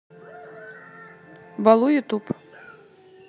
балу ютуб